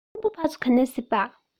ཁམ བུ ཕ ཚོ ག ནས གཟིགས པ